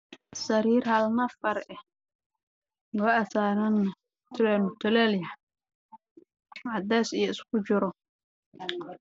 Waa qol waxaa yaalla sariir